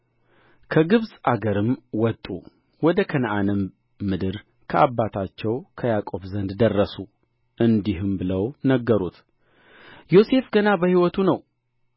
ከግብፅ አገርም ወጡ ወደ ከነዓንም ምድር ከአባታቸው ከያዕቆብ ዘንድ ደረሱ እንዲህም ብለው ነገሩት ዮሴፍ ገና በሕይወቱ ነው